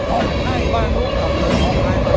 một hai ba nó cầm lên một hai ba